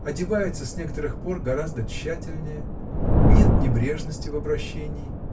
одевается с некоторых пор гораздо тщательнее. Нет небрежности в обращении.